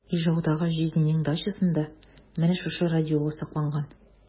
Ижаудагы җизнинең дачасында менә шушы радиола сакланган.